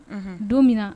Unhun don minna